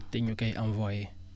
te ñu koy envoyé